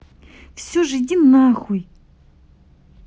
все же иди нахуй